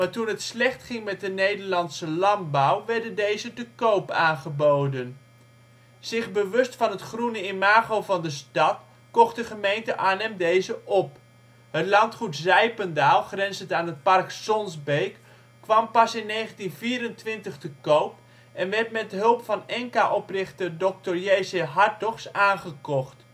toen het slecht ging met de Nederlandse landbouw werden deze te koop aangeboden. Zich bewust van het groene imago van de stad, kocht de gemeente Arnhem deze op. Het landgoed Zijpendaal grenzend aan het park Sonsbeek kwam pas in 1924 te koop en werd met hulp van ENKA oprichter Dr. J.C. Hartogs aangekocht